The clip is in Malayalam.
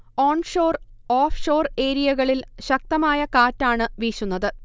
ഓൺഷോർ, ഓഫ്ഷോർ ഏരിയകളിൽ ശക്തമായ കാറ്റാണ് വീശുന്നത്